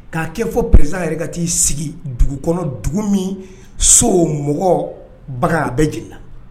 K'a kɛ fɔ perez yɛrɛ ka taa'i sigi dugu kɔnɔ dugu min so mɔgɔ baga bɛ jiginna